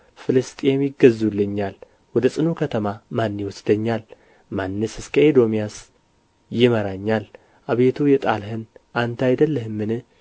ፍልስጥኤም ይገዙልኛል ወደ ጽኑ ከተማ ማን ይወስደኛል ማንስ እስከ ኤዶምያስ ይመራኛል አቤቱ የጣልኸን አንተ አይደለህምን